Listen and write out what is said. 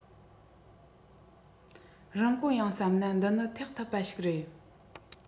རིན གོང ཡང བསམ ན འདི ནི ཐེག ཐུབ པ ཞིག རེད